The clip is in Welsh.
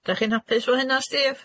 Dach chi'n hapus efo hynna Steve?